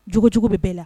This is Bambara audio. Jogo jugu be bɛɛ la.